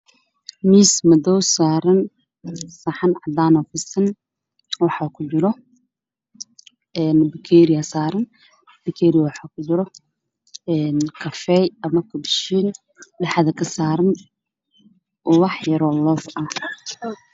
Waa miis madow saxan cadaan saaran bakeeri saaran cafee ku jira